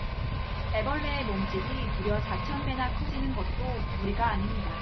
애벌레의 몸집이 무려 사천 배나 커지는 것도 무리가 아닙니다